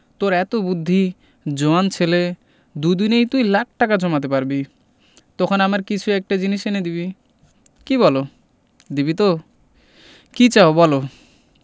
তোর এত বুদ্ধি জোয়ান ছেলে দুদিনেই তুই লাখ টাকা জমাতে পারবি তখন আমার কিছু একটা জিনিস এনে দিবি কি বলো দিবি তো কি চাও বলো